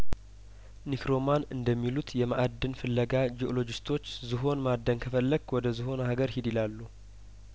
ኒክሮማን እንደሚሉት የማእድን ፍለጋ ጂኦሎጂስቶች ዝሆን ማደን ከፈለክ ወደ ዝሆን ሀገር ሂድ ይላሉ